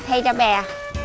thay cho bà